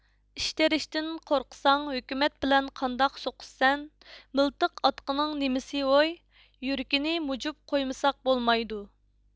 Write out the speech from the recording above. ئىش تېرىشتىن قورقساڭ ھۆكۈمەت بىلەن قانداق سوقۇشىسەن مىلتىق ئاتقىنىڭ نېمىسى ھوي يۈرىكىنى موجۇپ قويمىساق بولمايدۇ